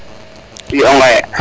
i o Ngoye